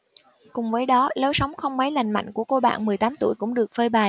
cùng với đó lối sống không mấy lành mạnh của cô bạn mười tám tuổi cũng được phơi bày